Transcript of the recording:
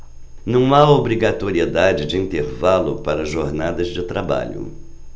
não há obrigatoriedade de intervalo para jornadas de trabalho